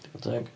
Digon teg.